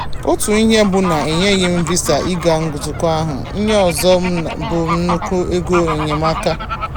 Otu ihe bụ na enyeghị m visa ịga nzukọ ahụ, ihe ọzọ bụ na nnukwu egoenyemaaka agụmakwụkwọ iji gaa nzukọ ahụ lara n'iyi.